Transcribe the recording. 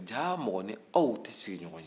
jaa mɔgɔ ni aw tɛ sigiɲɔgɔn ye